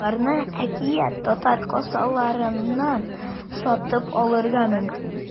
Аларны “Әкият” театры кассаларыннан сатып алырга мөмкин.